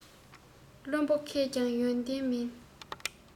བླུན པོ མཁས ཀྱང ཡོན ཏན མིན